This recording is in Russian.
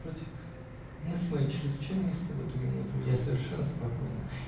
напротив, мысли мои чрезвычайно ясны в эту минуту, и я совершенно спокойна.